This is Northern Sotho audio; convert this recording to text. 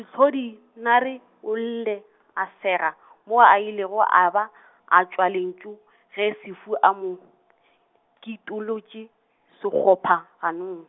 -ehlodimare o lle , a sega, moo a ilego a ba , a tšwa lentšu , ge Sefu a mo , kitolotše, sekgopha ganong.